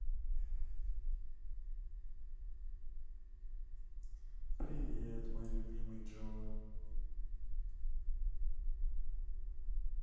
привет мой любимый джой